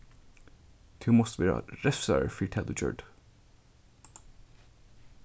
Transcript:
tú mást verða revsaður fyri tað tú gjørdi